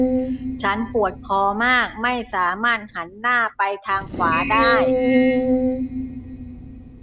ฉันปวดคอมากไม่สามารถหันหน้าไปทางขวาได้